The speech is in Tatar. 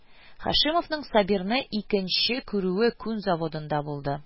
Һашимовның Сабирны икенче күрүе күн заводында булды